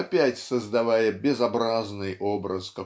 опять создавая безобразный образ